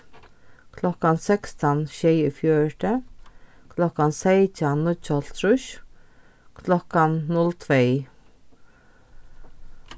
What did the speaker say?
klokkan sekstan sjeyogfjøruti klokkan seytjan níggjuoghálvtrýss klokkan null tvey